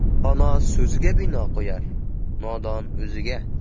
dono so'ziga bino qo'yar nodon o'ziga